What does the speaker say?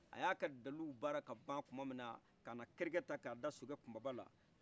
a y'aka dalu baara ka ban tuma minna a nana kɛrɛkɛ ta k'a da sokɛ kumabala